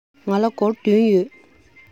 ང ལ སྒོར བརྒྱད ཡོད